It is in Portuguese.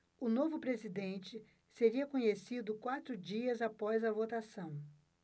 o novo presidente seria conhecido quatro dias após a votação